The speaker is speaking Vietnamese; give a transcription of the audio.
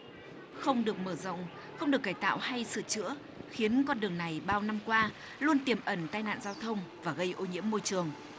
không được mở rộng không được cải tạo hay sửa chữa khiến con đường này bao năm qua luôn tiềm ẩn tai nạn giao thông và gây ô nhiễm môi trường